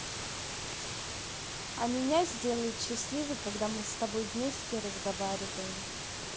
а меня сделает счастливой когда мы с тобой вместе разговариваем